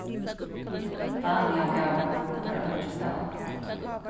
dania gav tær einki val